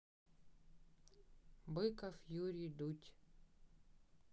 быков юрий дудь